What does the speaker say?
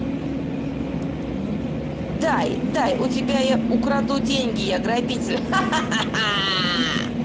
дай дай у тебя у крадущие деньги я грабитель хахахаха